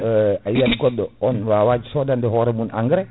% a yiyat goɗɗo on wawa sodande hoore mun engrais